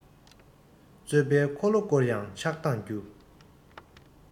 རྩོད པའི འཁོར ལོ སྐོར ཡང ཆགས སྡང རྒྱུ